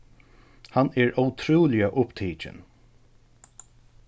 hann er ótrúliga upptikin